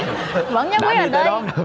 vẫn nhất